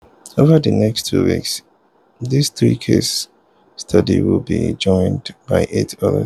Over the next two weeks these three case studies will be joined by eight others.